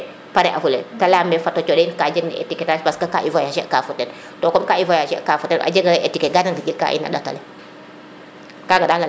pare afule te leyame fata sonda in ka jeg na étiquettage parce que ga i voyager ka fo ten to comme ka i voyager ka fo ten a jega nge etiquette ga de ŋijil ka in na ndata le kaga dal a leya xam